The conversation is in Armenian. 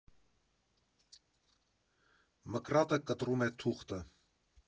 Մկրատը կտրում է թուղթը։